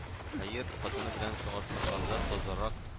Хәер, хатыны белән чагыштырганда тазарак